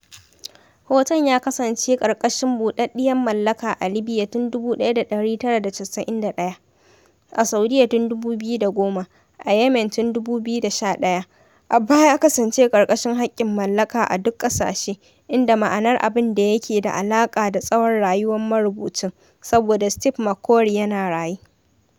Hoton ya kasance ƙarƙashin buɗaɗɗiyar mallaka a Libya tun 1991, a Saudiya tun 2010, a Yemen tun 2011, amma ya kasance ƙarƙashin haƙƙin mallaka a duk ƙasashe, inda ma'nar abin da yake da alaƙa da tsawon rayuwar marubucin, saboda Steve McCurry yana raye.